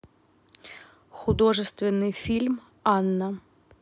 художественный фильм анна